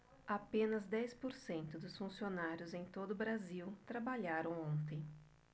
apenas dez por cento dos funcionários em todo brasil trabalharam ontem